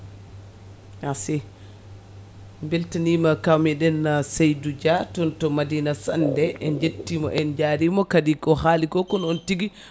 merci beltanima kaw meɗen Seydou Dia toon to Madina Sandé en jettimo en jarimo kadi ko haali ko ko noon tigui